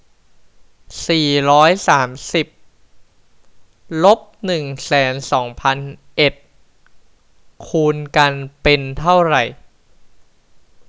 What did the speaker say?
สี่ร้อยสามสิบลบหนึ่งแสนสองพันเอ็ดคูณกันเป็นเท่าไหร่